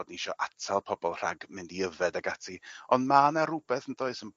bod ni isio atal pobol rhag mynd i yfed ag ati on' ma' 'na rwbeth yn does am